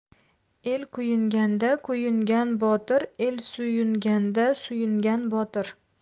el kuyunganda kuyungan botir el suyunganda suyungan botir